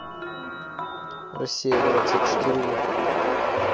россия двадцать четыре ютуб